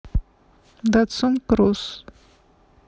датсун кросс